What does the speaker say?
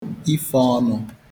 ife ọnụ